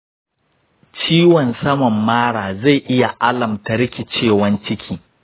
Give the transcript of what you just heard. ciwon saman mara zai iya alamta rikicewan ciki.